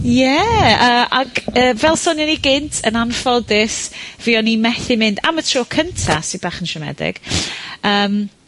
...ie, yy, ag yy fel sonio'n ni gynt yn anffodus, fuon ni methu mynd am y tro cynta, sy bach yn siomedig. Yym.